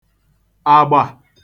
àgbà